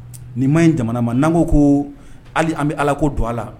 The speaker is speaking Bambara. Nin ma in jamana ma n'an ko ko hali an bɛ ala ko don a la